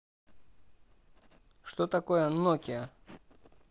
что такое нокиа